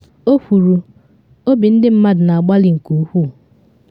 O kwuru “obi ndị mmadụ na agbali nke ukwuu,”.